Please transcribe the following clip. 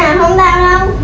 cái này không đau đâu